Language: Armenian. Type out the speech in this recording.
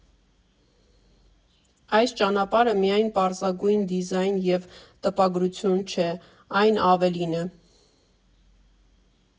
Այս ճանապարհը միայն պարզագույն դիզայն և տպագրություն չէ, այն ավելին է։